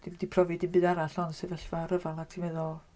Dim 'di profi dim byd arall ond sefyllfa rhyfel ac ti'n meddwl...